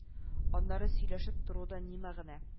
Аннары сөйләшеп торуда ни мәгънә